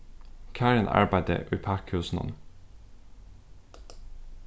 karin arbeiddi í pakkhúsinum